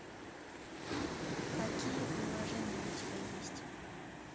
какие приложения у тебя есть